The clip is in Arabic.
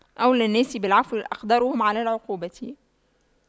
أولى الناس بالعفو أقدرهم على العقوبة